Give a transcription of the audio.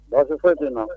Baasi di